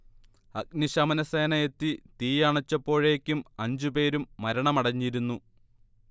അഗ്നിശമന സേന എത്തി തീ അണച്ചപ്പോഴേക്കും അഞ്ചു പേരും മരണമടഞ്ഞിരുന്നു